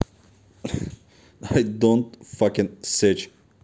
i dont fucking серч